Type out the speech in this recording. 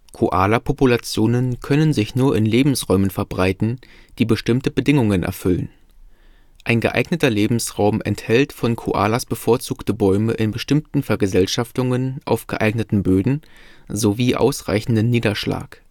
Koalapopulationen können sich nur in Lebensräumen verbreiten, die bestimmte Bedingungen erfüllen. Ein geeigneter Lebensraum enthält von Koalas bevorzugte Bäume (hauptsächlich Eukalyptusarten, aber auch einige andere) in bestimmten Vergesellschaftungen auf geeigneten Böden sowie ausreichenden Niederschlag